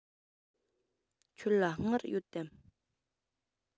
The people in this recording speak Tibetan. ཁྱོད ལ དངུལ ཡོད དམ